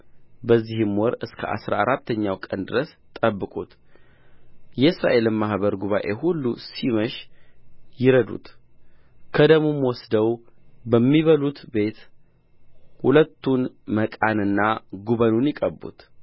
በዚህም ወር እስከ አሥራ አራተኛው ቀን ድረስ ጠብቁት የእስራኤልም ማኅበር ጉባኤ ሁሉ ሲመሽ ይረዱት ከደሙም ወስደው በሚበሉበት ቤት ሁለቱን መቃንና ጉበኑን ይቅቡት